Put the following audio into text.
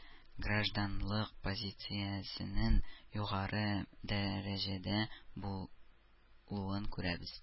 Гражданлык позициясенең югары дәрәҗәдә булуын күрәбез